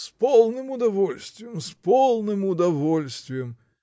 — С полным удовольствием, с полным удовольствием!